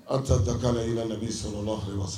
Ansa da k' la i na bi sɔrɔ wa sa